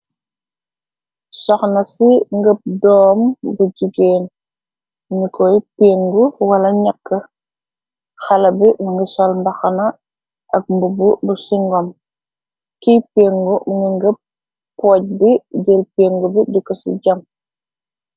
Soxna ci ngëb doom bu jegéen nikoy péngu wala ñyaka xale bi ngi sol mbaxana ak mbubb bu singom kiy péngu ngi ngëp pooj bi jër péngu bi diko ci jam.